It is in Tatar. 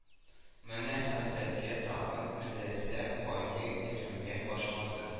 Менә хәзрәткә тагын мәдрәсә кайгы кермәгә башлады